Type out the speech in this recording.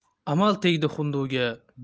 amal tegdi hunduga